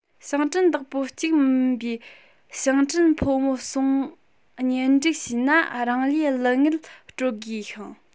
ཞིང བྲན བདག པོ གཅིག མིན པའི ཞིང བྲན ཕོ མོ ཟུང གཉེན སྒྲིག བྱས ན རང ལུས བླུ དངུལ སྤྲོད དགོས ཤིང